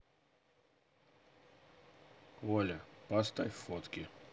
оля поставь фотки